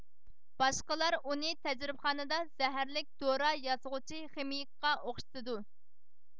باشقىلار ئۇنى تەجرىبىخانىدا زەھەرلىك دورا ياسىغۇچى خىمىيىكقا ئوخشىتىدۇ